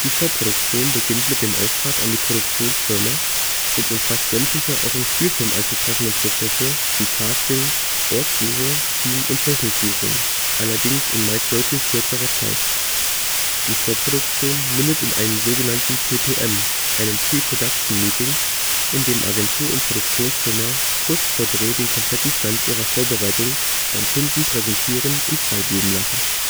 Vorproduktion beginnt mit dem Auftrag an die Produktionsfirma und umfasst sämtliche auch im Spielfilm anzutreffenden Prozesse wie Casting, Ortssuche, Team - und Technikbuchung, allerdings in meist deutlich kürzerer Zeit. Die Vorproduktion mündet in einem sogenannten „ PPM “, einem Pre Production Meeting, in dem Agentur und Produktionsfirma kurz vor Dreh den kompletten Stand ihrer Vorbereitung beim Kunden präsentieren und freigeben lassen